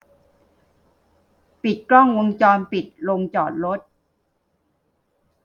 ปิดกล้องวงจรปิดโรงจอดรถ